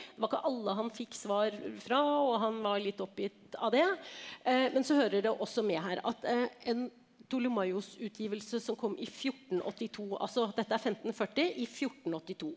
var ikke alle han fikk svar fra og han var litt oppgitt av det men så hører det også med her at en Ptolemaios-utgivelse som kom i fjortenåttito, altså dette er 1540 i fjortenåttito.